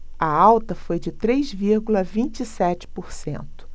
a alta foi de três vírgula vinte e sete por cento